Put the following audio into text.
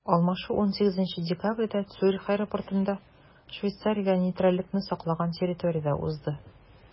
Алмашу 18 декабрьдә Цюрих аэропортында, Швейцариягә нейтральлекне саклаган территориядә узды.